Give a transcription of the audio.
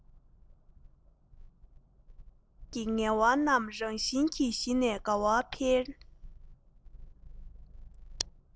སེམས ཀྱི ངལ བ རྣམས རང བཞིན གྱིས ཞི ནས དགའ བ འཕེལ